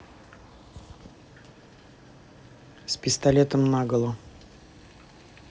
с пистолетом наголо